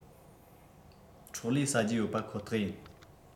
ཁྲོག ལེ ཟ རྒྱུ ཡོད པ ཁོ ཐག ཡིན